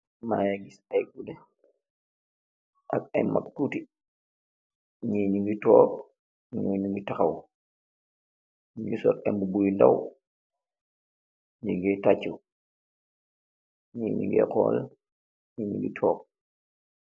Ayyi guneh ak ayyi makk tuti, nyii nyewgei tokk nyii nyewgei tahow, nyewgeih so cen mbubu yi ndaww, nyewgeih tachu ,nyi nyewgeih hol.